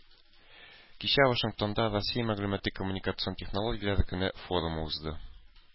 Кичә Вашингтонда “Россия мәгълүмати-коммуникацион технологияләр көне” форумы узды.